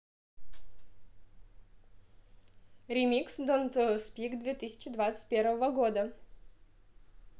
ремикс донт спик две тысячи двадцать первого года